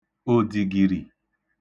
òdìgìrì